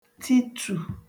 titù